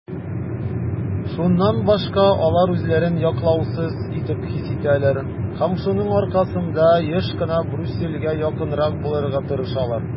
Шуннан башка алар үзләрен яклаусыз итеп хис итәләр һәм шуның аркасында еш кына Брюссельгә якынрак булырга тырышалар.